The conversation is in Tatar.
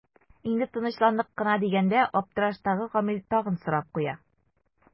Инде тынычландык кына дигәндә аптыраштагы Гамил тагын сорап куя.